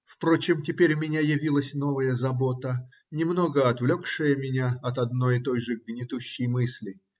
Впрочем, теперь у меня явилась новая забота, немного отвлекшая меня от одной и той же гнетущей мысли.